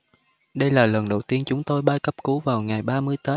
đây là lần đầu tiên chúng tôi bay cấp cứu vào ngày ba mươi tết